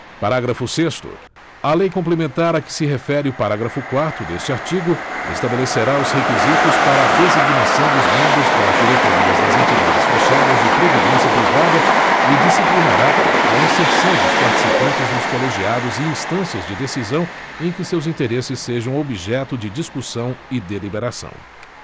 parágrafo sexto a lei complementar a que se refere o parágrafo quarto deste artigo estabelecerá os requisitos para a designação dos membros das diretorias das entidades fechadas de previdência privada e disciplinará a inserção dos participantes nos colegiados e instâncias de decisão em que seus interesses sejam objeto de discussão e deliberação